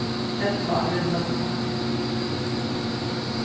ella á grindabúffi